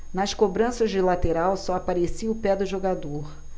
nas cobranças de lateral só aparecia o pé do jogador